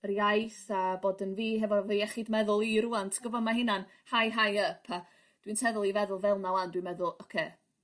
...Yr iaith a bod yn fi hefo' fy iechyd meddwl i rŵan ti gwbo ma' huna'n high high up a dwi'n tueddol i feddwl fel 'na 'wan dwi'n meddwl ocê